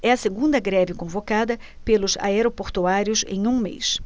é a segunda greve convocada pelos aeroportuários em um mês